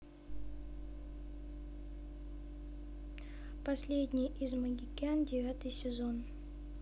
последний из магикян девятый сезон